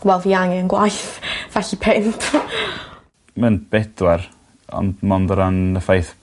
Wel fi angen gwaith felly pump. Ma'n bedwar ond mond o ran y ffaith